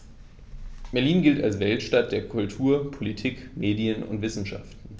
Berlin gilt als Weltstadt der Kultur, Politik, Medien und Wissenschaften.